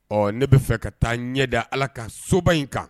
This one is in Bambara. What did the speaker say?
Ɔ ne bɛa fɛ ka taa ɲɛ da ala ka soba in kan